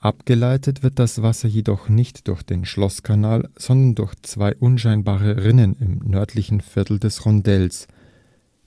Abgeleitet wird das Wasser jedoch nicht durch den Schlosskanal, sondern durch zwei unscheinbare Rinnen im nördlichen Viertel des Rondells,